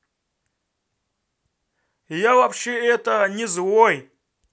я вообще это не злой